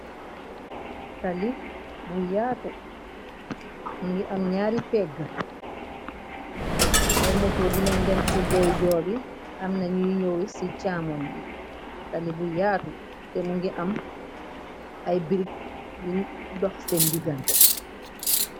Tali bu yaatu mu ngi am ñaari pegg ay muto dinañ den ci dey joobi am nañuy ñoowu ci caamoon bi tali bu yaatu te mu ngi am ay birig yi dox seen digante.